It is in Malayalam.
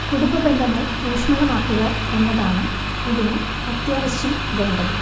കുടുംബബന്ധങ്ങൾ ഊഷ്മളമാക്കുക എന്നതാണ് ഇതിന് അത്യാവശ്യം വേണ്ടത്